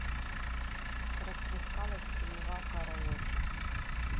расплескалась синева караоке